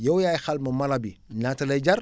yow yaay xayma mala bi ñaata lay jar